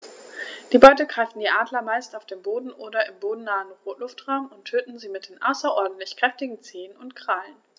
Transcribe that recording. Die Beute greifen die Adler meist auf dem Boden oder im bodennahen Luftraum und töten sie mit den außerordentlich kräftigen Zehen und Krallen.